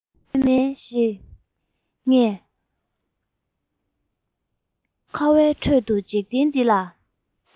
མཱེ མཱེ ཞེས ངས ཁ བའི ཁྲོད དུ འཇིག རྟེན འདི ལ